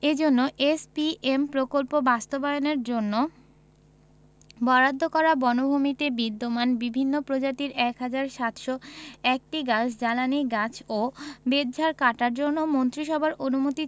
এজন্য এসপিএম প্রকল্প বাস্তবায়নের জন্য বরাদ্দ করা বনভূমিতে বিদ্যমান বিভিন্ন প্রজাতির ১ হাজার ৭০১টি গাছ জ্বালানি গাছ ও বেতঝাড় কাটার জন্য মন্ত্রিসভার অনুমতি